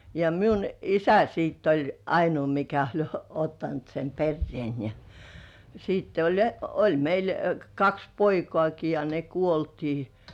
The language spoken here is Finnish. ja minun isä sitten oli ainoa mikä oli ottanut sen perheen ja sitten oli ja oli meillä kaksi poikaakin ja ne kuoltiin